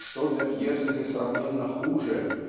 что для пьесы несравненно хуже